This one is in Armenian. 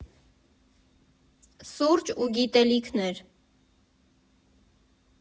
Սուրճ ու գիտելիքներ։